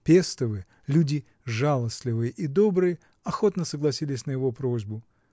Пестовы, люди жалостливые и добрые, охотно согласились на его просьбу